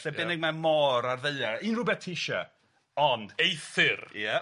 Lle bynnag ma' môr ar ddaear. Unrywbeth ti isie, ond eithir ia